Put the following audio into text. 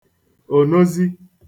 ònozi